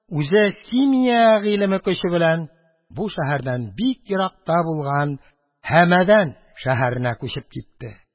Үзе симия гыйлеме көче белән бу шәһәрдән бик еракта булган Һәмәдән шәһәренә күчеп китте.